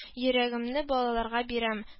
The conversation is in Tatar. Йөрәгемне балаларга бирәм